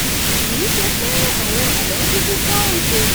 Kìíṣe pé àwọn àdán kúkú fọ́ ojú